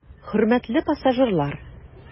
Хөрмәтле пассажирлар!